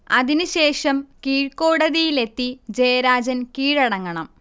അതിന് ശേഷം കീഴ്കോടതിയിലെത്തി ജയരാജൻ കീഴടങ്ങണം